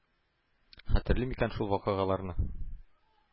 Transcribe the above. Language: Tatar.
Хәтерли микән шул вакыйгаларны?